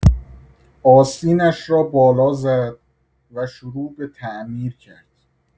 آستینش را بالا زد و شروع به تعمیر کرد.